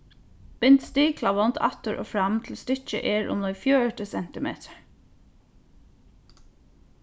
bint stiklavond aftur og fram til stykkið er umleið fjøruti sentimetrar